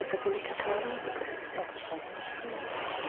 Fysat ti licio cyfarfod y teulu? O byswn. Hmm.